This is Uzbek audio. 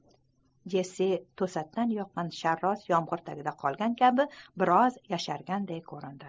jessi to'satdan yoqqan sharros yomg'irda qolgan kabi bir oz yasharganday ko'rindi